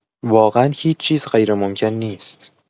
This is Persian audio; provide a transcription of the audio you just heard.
واقعا هیچ‌چیز غیرممکن نیست!